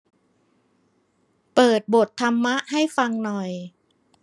เปิดบทธรรมะให้ฟังหน่อย